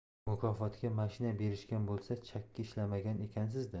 mukofotga mashina berishgan bo'lsa chakki ishlamagan ekansizda